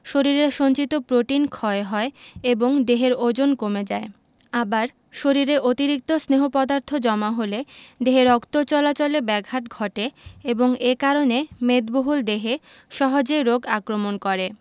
শরীরের সঞ্চিত প্রোটিন ক্ষয় হয় এবং দেহের ওজন কমে যায় আবার শরীরে অতিরিক্ত স্নেহ পদার্থ জমা হলে দেহে রক্ত চলাচলে ব্যাঘাত ঘটে এবং এ কারণে মেদবহুল দেহে সহজে রোগ আক্রমণ করে